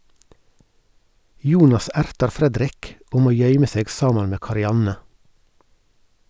Jonas ertar Fredrik, og må gøyme seg saman med Karianne